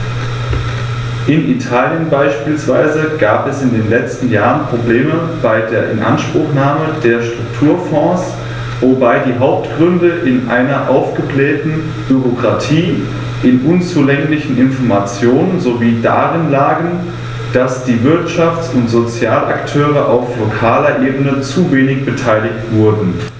In Italien beispielsweise gab es in den letzten Jahren Probleme bei der Inanspruchnahme der Strukturfonds, wobei die Hauptgründe in einer aufgeblähten Bürokratie, in unzulänglichen Informationen sowie darin lagen, dass die Wirtschafts- und Sozialakteure auf lokaler Ebene zu wenig beteiligt wurden.